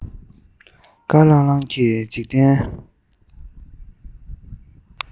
དཀར ལྷང ལྷང གི འཇིག རྟེན